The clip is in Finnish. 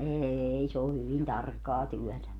ei se on hyvin tarkkaa työtä